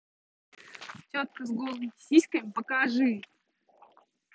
тетка с голыми сиськами покажи